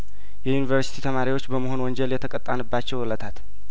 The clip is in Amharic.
የዩኒቨርስቲ ተማሪዎች በመሆን ወንጀል የተቀጣንባቸው እለታት